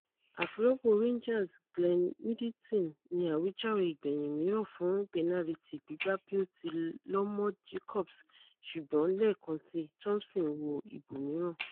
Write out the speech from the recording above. Àfirọ́pò Rangers Glenn Middleton ni àwíjàre ìgbẹ̀yìn mìíràn fún pẹnariti gbígbá bí o ti lọ́ mọ́ Jacobs ṣùgbọ́n lẹ́èkan síi Thomsom wo ibòmíràn.